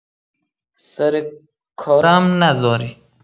سر کارم نذاری.